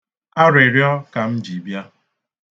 Arịrịọ ka m ji bịa.